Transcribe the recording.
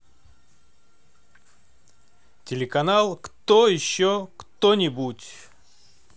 телеканал кто еще ктонибудь